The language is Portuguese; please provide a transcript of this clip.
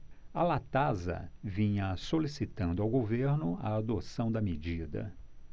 a latasa vinha solicitando ao governo a adoção da medida